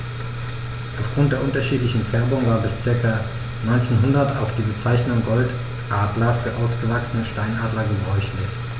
Auf Grund der unterschiedlichen Färbung war bis ca. 1900 auch die Bezeichnung Goldadler für ausgewachsene Steinadler gebräuchlich.